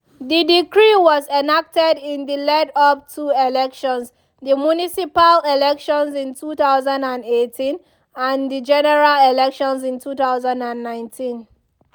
The decree was enacted in the lead-up two elections — the municipal elections in 2018 and the general elections in 2019.